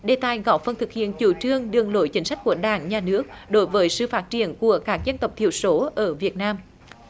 đề tài góp phần thực hiện chủ trương đường lối chính sách của đảng nhà nước đối với sự phát triển của các dân tộc thiểu số ở việt nam